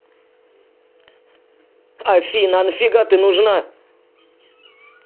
афина а нафига ты нужна